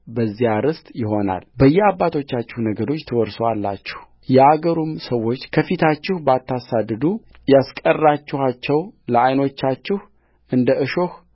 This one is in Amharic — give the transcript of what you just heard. በዚያ ርስቱ ይሆናል በየአባቶቻችሁ ነገዶች ትወርሳላችሁየአገሩንም ሰዎች ከፊታችሁ ባታሳድዱ ያስቀራችኋቸው ለዓይናችሁ እንደ እሾህ